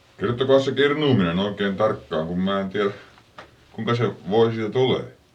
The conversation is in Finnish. kertokaas se kirnuaminen oikein tarkkaan kun minä en tiedä kuinka se voi siitä tulee